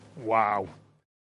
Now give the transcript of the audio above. Waw.